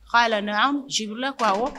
Ko la an jila kuwa